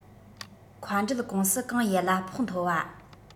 མཁའ འགྲུལ ཀུང སི གང ཡི གླ ཕོགས མཐོ བ